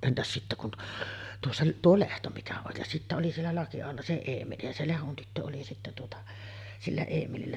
entäs sitten kun - tuossa tuo Lehto mikä on ja sitten oli siellä Lakiaholla se Eemeli ja se Lehdon tyttö oli sitten tuota sillä Eemelillä